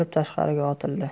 tashqariga otildi